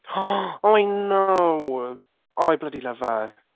Oh, I know! Oh, I bloody love her.